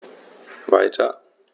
Weiter.